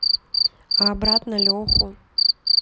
a обратно леху